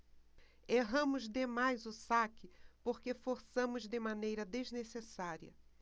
erramos demais o saque porque forçamos de maneira desnecessária